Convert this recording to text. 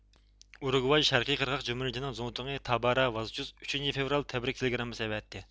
ئۇرۇگۋاي شەرقىي قىرغاق جۇمھۇرىيىتىنىڭ زۇڭتۇڭى تابارا ۋازچۇز ئۈچىنچى فېۋرال تەبرىك تېلېگراممىسى ئەۋەتتى